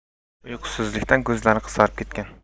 uyqusizlikdan ko'zlari qizarib ketgan